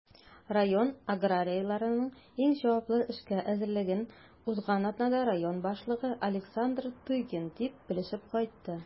Район аграрийларының иң җаваплы эшкә әзерлеген узган атнада район башлыгы Александр Тыгин да белешеп кайтты.